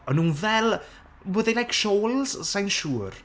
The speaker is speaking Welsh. O'n nhw'n fel, were they like shawls? Sai'n siwr.